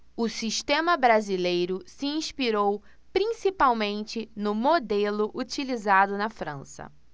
o sistema brasileiro se inspirou principalmente no modelo utilizado na frança